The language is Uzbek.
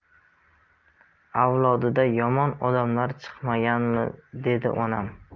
avlodida yomon odamlar chiqmaganmi dedi onam